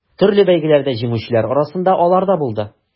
Төрле бәйгеләрдә җиңүчеләр арасында алар да булды.